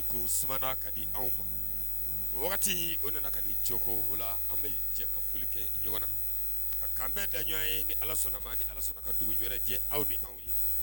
Di wagati o nana ka jɔko an bɛ ka foli kɛ ɲɔgɔnan bɛɛ da ɲɔgɔn ye ni sɔnna ma ni sɔnna ka dugu wɛrɛ jɛ ni anw ye